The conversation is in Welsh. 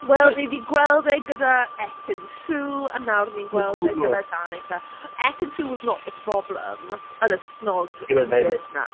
Wel, ni 'di gweld e gyda Ekin-Su, a nawr ni'n gweld e gyda Danica. Ekin-Su was not the problem, yn y snog weird 'na.